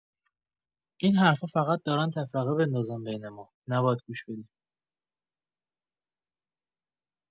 این حرفا فقط دارن تفرقه بندازن بین ما، نباید گوش بدیم.